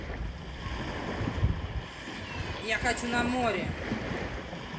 я хочу на море